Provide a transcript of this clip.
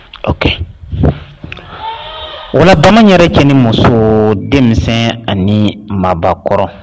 O warada yɛrɛ cɛ ni muso denmisɛnw ani mabɔkɔrɔ